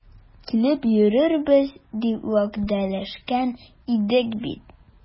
Килеп йөрербез дип вәгъдәләшкән идек бит.